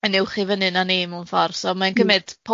Yn uwch i fyny na ni mewn ffor, so mae'n cymyd